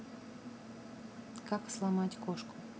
как сломать кошку